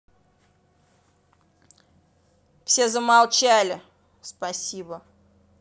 все замолчи спасибо